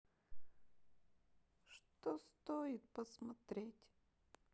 что стоит посмотреть